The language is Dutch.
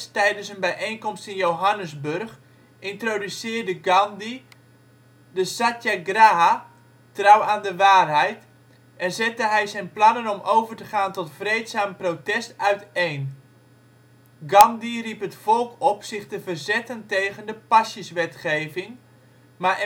tijdens een bijeenkomst in Johannesburg, introduceerde Gandhi de satyagraha (trouw aan de waarheid) en zette hij zijn plannen om over te gaan tot vreedzaam protest uiteen. Gandhi riep het volk op zich te verzetten tegen de pasjeswetgeving, maar